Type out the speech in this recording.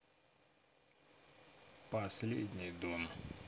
последний дон